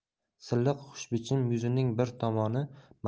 silliq xushbichim yuzining bir tomoni